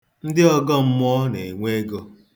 Ndị ọgọmmụọ na-enwe ego